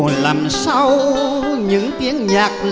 đằng sau những tiếng nhạc